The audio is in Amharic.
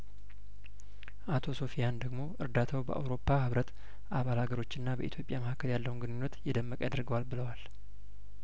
አቶ ሶፊያን ደግሞ እርዳታው በአውሮፓ ህብረት አባል አገሮችና በኢትዮጵያ መሀከል ያለውን ግንኙነት የደመቀ ያደርገዋል ብለዋል